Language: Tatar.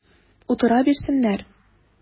Утыра бирсеннәр!